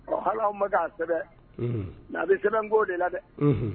Ɔ hali anw ma sɛbɛn n bɛ sɛbɛn ko de la dɛ